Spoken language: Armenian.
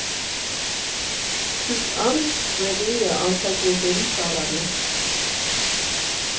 Քիչ անց սկսվելու է անցակետերի շարանը։